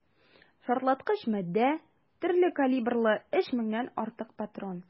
Шартлаткыч матдә, төрле калибрлы 3 меңнән артык патрон.